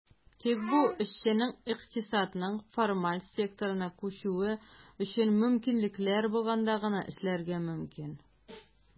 Тик бу эшченең икътисадның формаль секторына күчүе өчен мөмкинлекләр булганда гына эшләргә мөмкин.